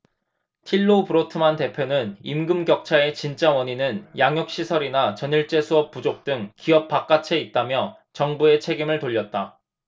틸로 브로트만 대표는 임금 격차의 진짜 원인은 양육 시설이나 전일제 수업 부족 등 기업 바깥에 있다며 정부에 책임을 돌렸다